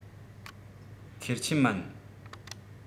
ཁེར ཆད མིན